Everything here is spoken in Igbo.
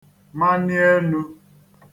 mani enū